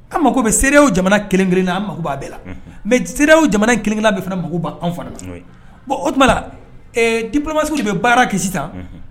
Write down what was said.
An mako mɛ seere jamana kelenkelenrin na an makoba bɛɛ la mɛ seere jamana kelen bɛ fana mako anw fana ten bɔn o tuma la dioromasiw bɛ baara kisi